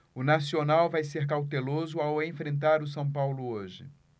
o nacional vai ser cauteloso ao enfrentar o são paulo hoje